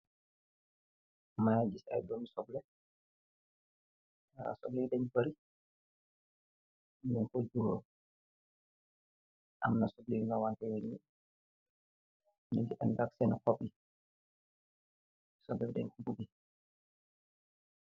Maa ye guiss ay doumi soble, soble yi den bari. Nyom pur grow, amna soble yun hamanteehni, nyungi andak seyni khobi. Sobleyi den bori.